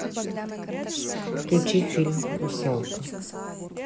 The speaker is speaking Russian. включи фильм русалка